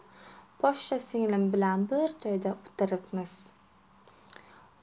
poshsha singlim bilan bir joyda o'tiribmiz